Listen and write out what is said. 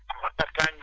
*